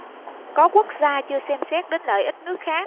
có quốc gia chưa xem xét đến lợi ích nước khác